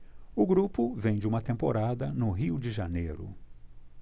o grupo vem de uma temporada no rio de janeiro